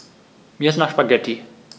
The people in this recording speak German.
Mir ist nach Spaghetti.